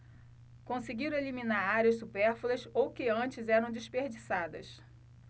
conseguiram eliminar áreas supérfluas ou que antes eram desperdiçadas